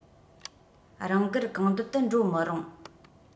རང དགར གང འདོད དུ འགྲོ མི རུང